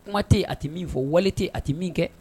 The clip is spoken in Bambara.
Kuma tɛ a tɛ min fɔ wale tɛ a tɛ min kɛ